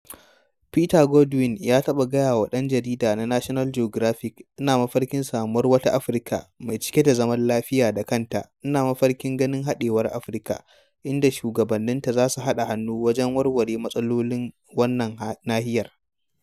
Peter Godwin, ya taɓa gayawa ɗan jarida na National Geographic,“Ina mafarkin samuwar wata Afirka mai cike da zaman lafiya da kanta... Ina mafarkin ganin haɗewar Afirka, inda shugabanninta zasu haɗa hannu wajen warware matsalolin wannan nahiyar."